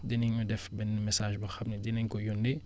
dinañu def benn message boo xam ne dinañ ko yónnee